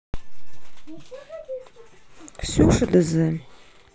ксюша дз